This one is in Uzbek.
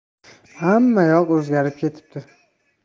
hammayoq o'zgarib ketibdi